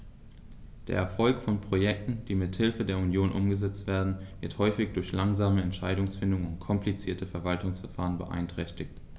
Der Erfolg von Projekten, die mit Hilfe der Union umgesetzt werden, wird häufig durch langsame Entscheidungsfindung und komplizierte Verwaltungsverfahren beeinträchtigt.